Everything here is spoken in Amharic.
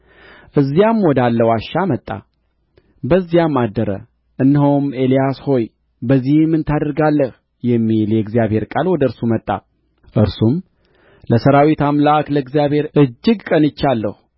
እዚያም ወዳለ ዋሻ መጣ በዚያም አደረ እነሆም ኤልያስ ሆይ በዚህ ምን ታደርጋለህ የሚል የእግዚአብሔር ቃል ወደ እርሱ መጣ እርሱም ለሠራዊት አምላክ ለእግዚአብሔር እጅግ ቀንቻለሁ